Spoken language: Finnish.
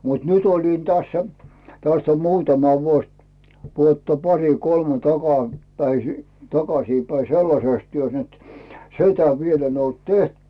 mutta nyt olin tässä tästä on muutama vuosi vuotta pari kolme -- takaisinpäin sellaisessa työssä nyt sitä vielä en ollut tehnyt